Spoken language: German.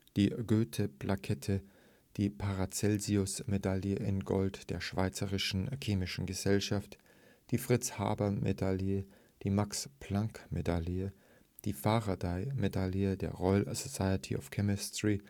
die Goethe-Plakette, die Paracelsus-Medaille in Gold der Schweizerischen Chemischen Gesellschaft, die Fritz-Haber-Medaille, die Max-Planck-Medaille, die Faraday-Medaille der Royal Society of Chemistry